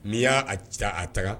N'i y'a a ta a taga